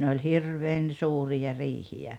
ne oli hirveän suuria riihiä